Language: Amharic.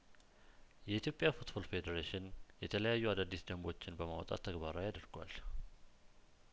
የኢትዮጵያ ፉትቦል ፌዴሬሽን የተለያዩ አዳዲስ ደንቦችን በማውጣት ተግባራዊ አድርጓል